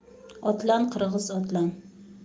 otlan qirg'iz otlan